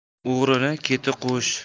o'g'rining keti quvish